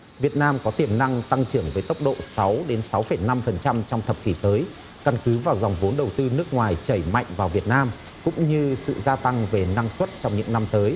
việt nam có tiềm năng tăng trưởng với tốc độ sáu đến sáu phẩy năm phần trăm trong thập kỷ tới căn cứ vào dòng vốn đầu tư nước ngoài chảy mạnh vào việt nam cũng như sự gia tăng về năng suất trong những năm tới